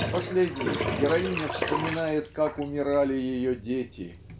В последней героиня вспоминает как умирали ее дети